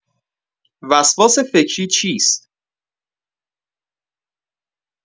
وسواس فکری چیست؟